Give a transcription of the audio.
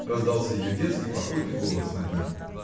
— раздался ее детский, покойный голос над ним.